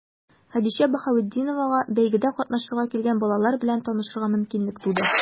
Хәдичә Баһаветдиновага бәйгедә катнашырга килгән балалар белән танышырга мөмкинлек туды.